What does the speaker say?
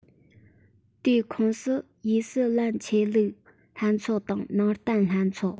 དེའི ཁོངས སུ དབྱི སི ལན ཆོས ལུགས ལྷན ཚོགས དང ནང བསྟན ལྷན ཚོགས